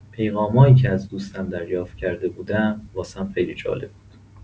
پیغامایی که از دوستام دریافت کرده بودم واسم خیلی جالب بود.